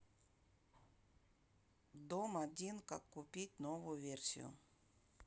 дом один как купить новую версию